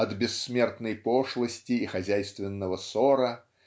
от бессмертной пошлости и хозяйственного сора